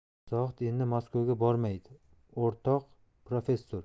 zohid endi maskovga bormaydi o'rtoq professor